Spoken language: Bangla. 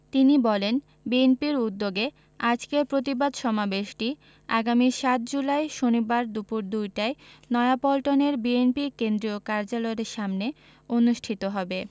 তিনি বলেন বিএনপির উদ্যোগে আজকের প্রতিবাদ সমাবেশটি আগামী ৭ জুলাই শনিবার দুপুর দুইটায় নয়াপল্টনের বিএনপি কেন্দ্রীয় কার্যালয়ের সামনে অনুষ্ঠিত হবে